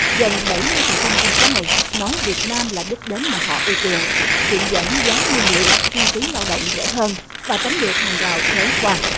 gần bảy mươi phần trăm trong số này nói việt nam là đích đến mà họ ưa chuộng viện dẫn giá nguyên liệu chi phí lao động rẻ hơn và tránh được hàng rào thuế quan